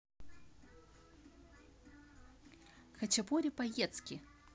хачапури по jettski